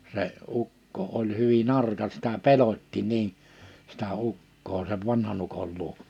se ukko oli hyvin arka sitä pelotti niin sitä ukkoa sen vanhan ukon luo